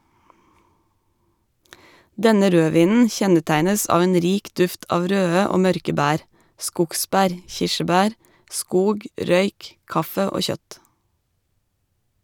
Denne rødvinen kjennetegnes av en rik duft av røde og mørke bær, skogsbær , kirsebær, skog, røyk, kaffe og kjøtt.